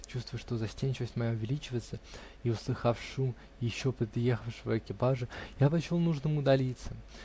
Чувствуя, что застенчивость моя увеличивается, и услыхав шум еще подъехавшего экипажа, я почел нужным удалиться.